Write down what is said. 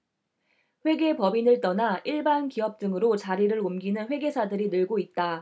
회계법인을 떠나 일반 기업 등으로 자리를 옮기는 회계사들이 늘고 있다